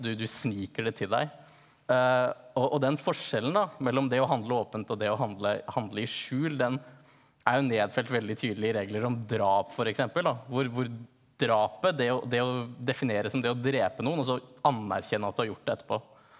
du du sniker det til deg og og den forskjellen da mellom det å handle åpent og det å handle handle i skjul den er jo nedfelt veldig tydelig i regler om drap f.eks. da hvor hvor drapet det å det å definere som det å drepe noen og så anerkjenne at du har gjort det etterpå.